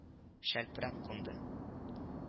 Шәлперәп кунды